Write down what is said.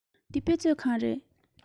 འདི དཔེ མཛོད ཁང རེད